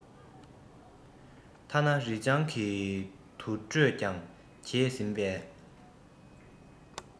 ཐ ན རི སྤྱང གི འདུར འགྲོས ཀྱང གྱེས ཟིན པས